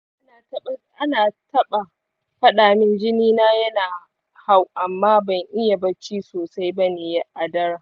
an taɓa fadamin jini na ya hau amma ban yi bacci sosai bane a daren.